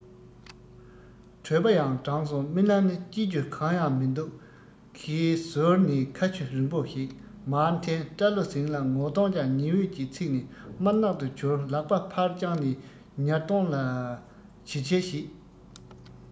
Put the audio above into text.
གྲོད པ ཡང འགྲངས སོང རྨི ལམ ནི སྐྱིད རྒྱུ གང ཡང མི འདུག ཁའི ཟུར ནས ཁ ཆུ རིང པོ ཞིག མར འཐེན སྐྲ ལོ ཟིང བ ངོ གདོང ཀྱང ཉི འོད ཀྱིས ཚིག ནས དམར ནག ཏུ གྱུར ལག པ ཕར བརྐྱངས ནས ཉལ གདོང ལ བྱིལ བྱིལ བྱེད